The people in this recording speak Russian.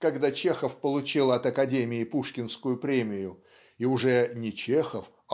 когда Чехов получил от Академии пушкинскую премию и уже не Чехов